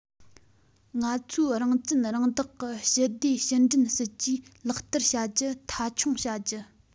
ང ཚོས རང བཙན རང བདག གི ཞི བདེའི ཕྱི འབྲེལ སྲིད ཇུས ལག བསྟར བྱ རྒྱུ མཐའ འཁྱོངས བྱ རྒྱུ